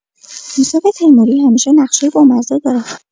یوسف تیموری همیشه نقشای بامزه داره.